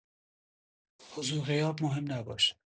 حضور غیاب مهم نباشه